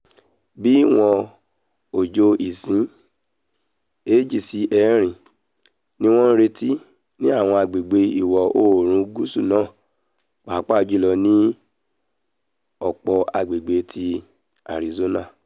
Bi ìwọ̀n òjò íǹsì 2 si 4 ni wọ́n ńretí ní àwọn apá Ìwọ-oòrùn Gúúsù náà, papàá jùlọ ní ọ̀pọ̀ agbègbè ti Arizona.